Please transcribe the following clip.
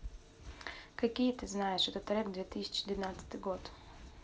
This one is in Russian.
какие ты знаешь это трек две тысячи девятнадцатый год